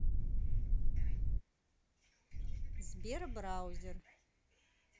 сбер браузер